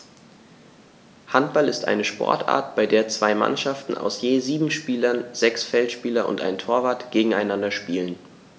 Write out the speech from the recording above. Handball ist eine Sportart, bei der zwei Mannschaften aus je sieben Spielern (sechs Feldspieler und ein Torwart) gegeneinander spielen.